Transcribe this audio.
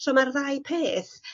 So ma'r ddau peth